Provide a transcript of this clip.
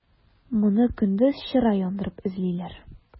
Моны көндез чыра яндырып эзлиләр.